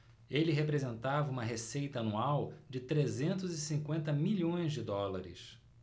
ele representava uma receita anual de trezentos e cinquenta milhões de dólares